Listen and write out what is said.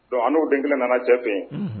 Don an n'o denkɛ kelen nana jate fɛ yen